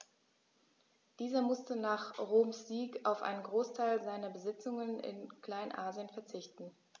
Dieser musste nach Roms Sieg auf einen Großteil seiner Besitzungen in Kleinasien verzichten.